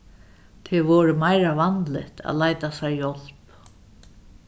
tað er vorðið meira vanligt at leita sær hjálp